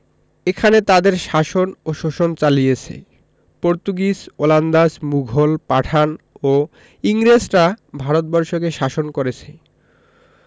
এখানে তাদের শাসন ও শোষণ চালিছে পর্তুগিজ ওলন্দাজ মুঘল পাঠান ও ইংরেজরা ভারত বর্ষকে শাসন করেছে